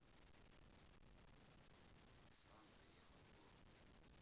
беслан приехал в гору